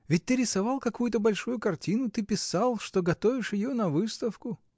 Ведь ты рисовал какую-то большую картину: ты писал, что готовишь ее на выставку.